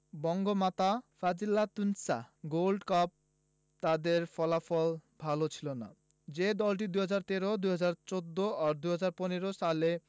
Bangamata Fazilatunnesa gold কাপে তাদের ফলাফল ভালো ছিল না যে দলটি ২০১৩ ২০১৪ ও ২০১৫ সালে